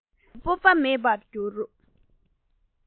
ལེན པའི སྤོབས པ མེད པར གྱུར